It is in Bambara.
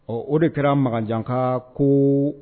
Ɔ o de kɛra ma janka ko